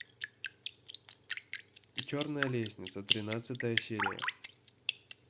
черная лестница тринадцатая серия